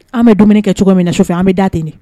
An bɛ dumuni kɛ cogo min na so fɛ an bɛ da ten nin